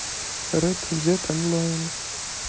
ред дет онлайн